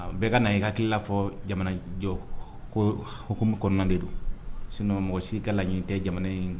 Bɛɛ ka na i hakili la fɔ jamana jɔ ko hkmumu kɔnɔna de don sini mɔgɔ si ka ɲin tɛ jamana in